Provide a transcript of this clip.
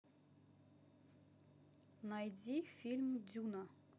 найди фильм дюна